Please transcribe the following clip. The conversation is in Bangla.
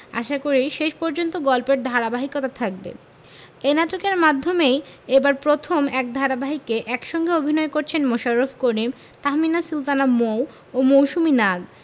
আশাকরি শেষ পর্যন্ত গল্পের ধারাবাহিকতা থাকবে এ নাটকের মাধ্যমেই এবারই প্রথম এক ধারাবাহিকে একসঙ্গে অভিনয় করছেন মোশাররফ করিম তাহমিনা সুলতানা মৌ ও মৌসুমী নাগ